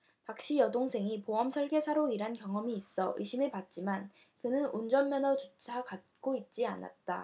박씨 여동생이 보험설계사로 일한 경험이 있어 의심해 봤지만 그는 운전면허조차 갖고 있지 않았다